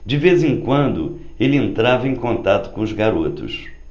de vez em quando ele entrava em contato com os garotos